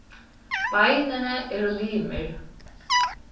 beinini eru limir